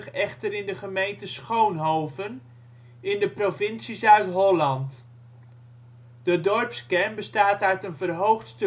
echter in de gemeente Schoonhoven in de provincie Zuid-Holland. De dorpskern bestaat uit een verhoogd